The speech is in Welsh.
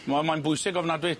Ma' mae'n bwysig ofnadwy.